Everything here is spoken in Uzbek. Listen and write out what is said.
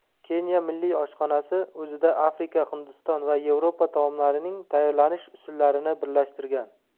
keniya milliy oshxonasi o'zida afrika hindiston va yevropa taomlarining tayyorlanish usullarini birlashtirgan